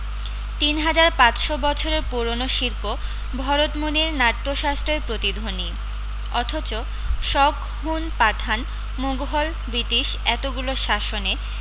তিন হাজার পাচশো বছরের পুরনো শিল্প ভরতমুনির নাট্যশাস্ত্রের প্রতিধ্বনি অথচ শক হুন পাঠান মুঘল ব্রিটিশ এতগুলো শাসনে